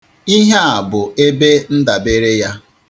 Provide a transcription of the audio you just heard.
Ihe a bụ ebe ndabere ya.